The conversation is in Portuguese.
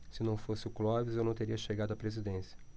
se não fosse o clóvis eu não teria chegado à presidência